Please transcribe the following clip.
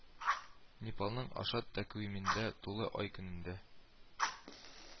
Непалның Ашад тәкъвимендә тулы ай көнендә